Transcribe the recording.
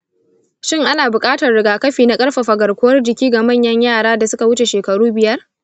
shin ana bukatar rigakafi na ƙarfafa garkuwar jiki ga manyan yara da suka wuce shekaru biyar?